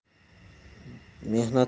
mehnat bilan yer